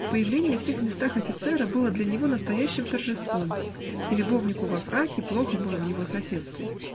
Появление в сих местах офицера было для него настоящим торжеством, и любовнику во фраке плохо было в его соседстве.